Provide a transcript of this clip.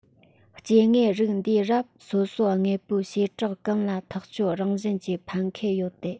སྐྱེ དངོས རིགས འདིའི རབས སོ སོའི དངོས པོའི བྱེ བྲག ཀུན ལ ཐག གཅོད རང བཞིན གྱི ཕན ཁེ ཡོད དེ